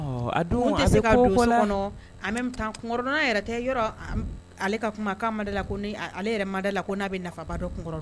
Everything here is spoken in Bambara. A se bɛ taa n yɛrɛ tɛ yɔrɔ ale ka kuma ko ma la ko ale yɛrɛ mada la ko n'a bɛ nafaba dɔ kungokɔrɔ